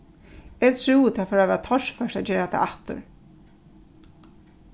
eg trúði tað fór at vera torført at gera tað aftur